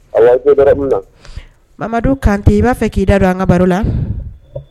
Ma kan tɛ i b'a fɛ k'i da don an ka baro la